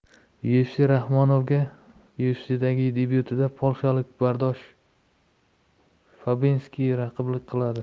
ufcrahmonovga ufc'dagi debyutida polshalik bartosh fabinski raqiblik qiladi